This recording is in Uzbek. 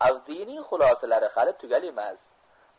avdiyning xulosalari hali tugal emas